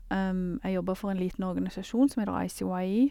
Jeg jobba for en liten organisasjon som heter ICYE.